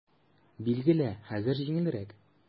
Билгеле, хәзер җиңелрәк.